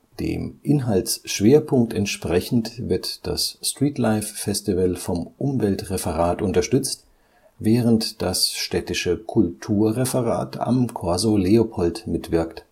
Dem Inhaltsschwerpunkt entsprechend wird das Streetlife Festival vom Umweltreferat unterstützt, während das städtische Kulturreferat am Corso Leopold mitwirkt